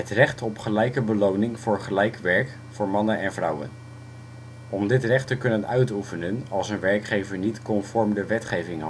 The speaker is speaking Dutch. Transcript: recht op gelijke beloning voor gelijk werk voor mannen en vrouwen. Om dit recht te kunnen uitoefenen als een werkgever niet conform de wetgeving